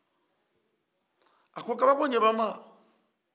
a ko kabakoɲɛba ma